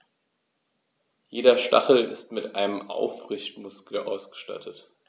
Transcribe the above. Jeder Stachel ist mit einem Aufrichtemuskel ausgestattet.